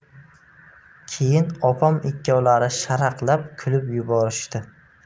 keyin opam ikkovlari sharaqlab kulib yuborishdi